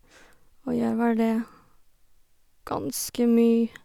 Og gjør vel det ganske mye.